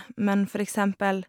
Men, for eksempel...